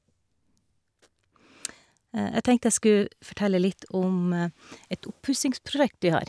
Jeg tenkte jeg skulle fortelle litt om et oppussingsprosjekt vi har.